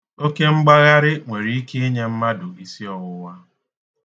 Oke mgbagharị nwere ike inye mmadụ isiọwụwa